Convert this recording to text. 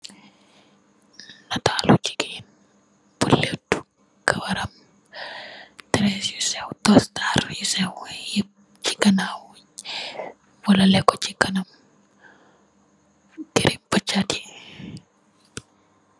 Naatalu gigain bu lehtu, kawaram, tehress yu sehww, torsaat yu sehww yehp chi ganaw, borlah leh kor chi kanam, grip bu chaati.